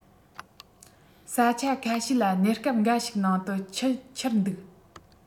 ས ཆ ཁ ཤས ལ གནས སྐབས འགའ ཞིག ནང དུ ཆུ འཁྱིལ འདུག